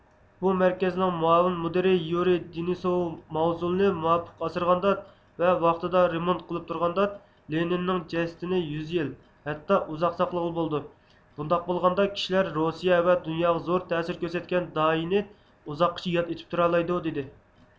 بۇ مەركەزنىڭ مۇئاۋىن مۇدىرى يۇرىي دىنىسۇۋ ماۋزۇلنى مۇۋاپىق ئاسرىغاندا ۋە ۋاقتىدا رېمونت قىلىپ تۇرغاندا لېنىننىڭ جەسىتىنى يۈز يىل ھەتتا ئۇزاق ساقلىغىلى بولىدۇ بۇنداق بولغاندا كىشىلەر روسىيە ۋە دۇنياغا زور تەسىر كۆرسەتكەن داھىينى ئۇزاققىچە ياد ئېتىپ تۇرالايدۇ دېدى